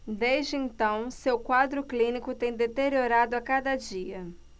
desde então seu quadro clínico tem deteriorado a cada dia